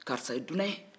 karisa ye dunan ye